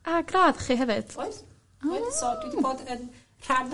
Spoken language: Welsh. a gradd chi hefyd. Oedd. Oedd. Hmm. So dwi 'di bod yn rhan...